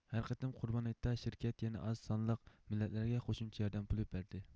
ھەر قېتىم قۇربان ھېيتتا شىركەت يەنە ئاز سانلىق مىللەتلەرگە قوشۇمچە ياردەم پۇلى بەردى